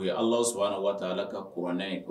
U ye ala sɔnna an waati ala ka kuranɛ in kɔ